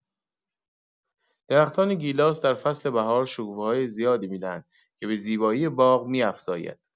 درختان گیلاس در فصل بهار شکوفه‌های زیادی می‌دهند که به زیبایی باغ می‌افزاید.